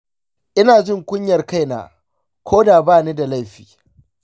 ina jin kunyar kaina ko da ba ni da laifi.